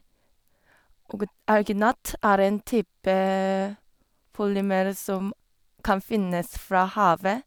Og d alginat er en type polymer som kan finnes fra havet.